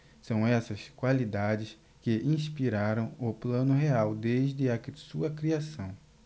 são essas qualidades que inspiraram o plano real desde a sua criação